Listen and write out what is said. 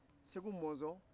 segu mɔnzɔn